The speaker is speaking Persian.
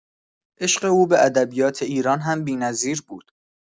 عشق او به ادبیات ایران هم بی‌نظیر بود.